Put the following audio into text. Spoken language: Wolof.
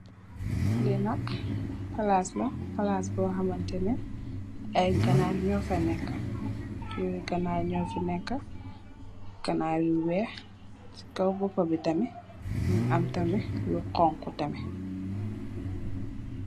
Lii nak plass la, plass bor hamanteh neh aiiy ganarr njur fa neka, johri ganarr njur cii neka, ganarr yu wekh, cii kaw bopa bii tamit mungy am tamit lu honku.